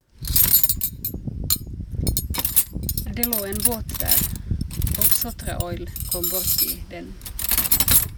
- Det lå en båt der , og "Sotraoil" kom borti den.